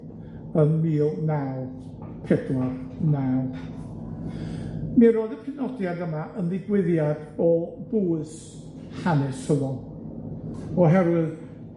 yn mil naw pedwar naw. Mi roedd y penodiad yma yn ddigwyddiad o bwys hanesyddol, oherwydd